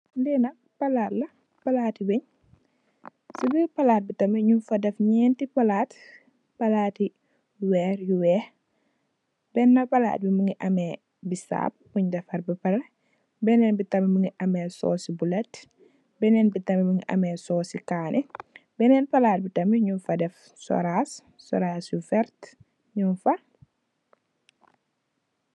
Lii nak palaat la, palaati wén, si birr palaat bi tamit, ñung fa def ñeenti palaat, palaati weer yu weex, beenë palaat beenë palaat bi mu ngi am bisaap buñ defar ba pare, bénen bi tamit mu ngi am sossi buleti kaané, bénen palaat bi tam, ñug fa def soraas, yu werta,